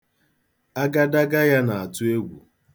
Agadaga ya na-atụ egwu.